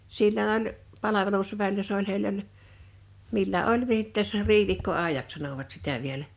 silloin oli palvelusväellä se oli heillä oli millä oli viittes riivikkoajaksi sanoivat sitä vielä